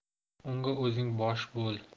unga o'zing bosh bo'l